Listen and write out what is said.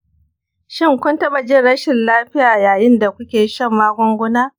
shin, kun taɓa jin rashin lafiya yayin da kuke shan magunguna?